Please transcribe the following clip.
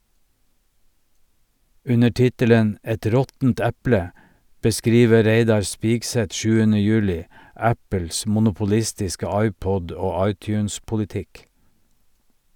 Under tittelen "Et råttent eple" beskriver Reidar Spigseth 7. juli Apples monopolistiske iPod- og iTunes-politikk.